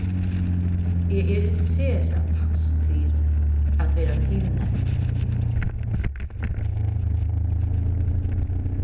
eg eri sera takksom fyri at verða tilnevnd